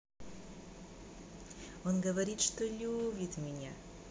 она говорит что любит меня